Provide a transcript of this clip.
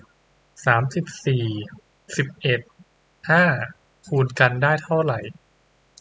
สามสิบสี่สิบเอ็ดห้าคูณกันได้เท่าไหร่